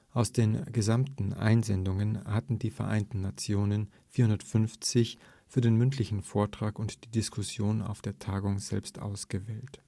Aus den gesamten Einsendungen hatten die Vereinten Nationen 450 für den mündlichen Vortrag und die Diskussion auf der Tagung selbst ausgewählt